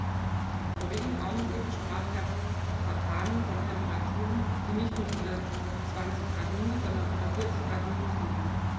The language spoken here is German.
Vor wenigen Augenblicken sprach Herr Vatanen von Temperaturen, die nicht nur unter 20 Grad minus, sondern unter 40 Grad minus liegen.